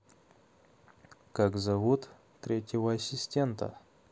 как зовут третьего ассистента